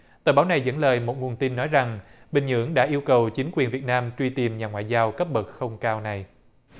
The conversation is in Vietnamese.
tờ báo này dẫn lời một nguồn tin nói rằng bình nhưỡng đã yêu cầu chính quyền việt nam truy tìm nhà ngoại giao cấp bậc không cao này